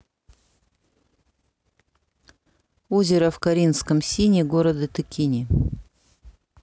озеро в каринском сине города текини